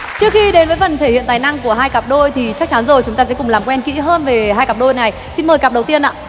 trước khi đến với phần thể hiện tài năng của hai cặp đôi thì chắc chắn rồi chúng ta sẽ cùng làm quen kỹ hơn về hai cặp đôi này xin mời cặp đầu tiên ạ